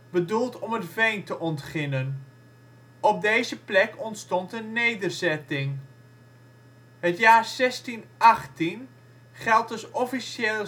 bedoeld om het veen te ontginnen. Op deze plek ontstond een nederzetting. Het jaar 1618 geldt als officieel